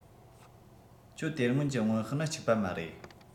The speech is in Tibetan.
ཁྱོད དེ སྔོན གྱི སྔོན དཔག ནི གཅིག པ མ རེད